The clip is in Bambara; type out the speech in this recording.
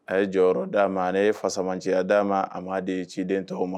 A ye jɔyɔrɔ d'a ma ne ye fasama cɛya a d'a ma a ma di ciden tɔgɔ ma